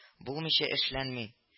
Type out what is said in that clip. Булмыйча эшләнми